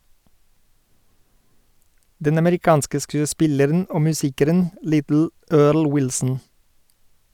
Den amerikanske skuespilleren og musikeren "Little" Earl Wilson.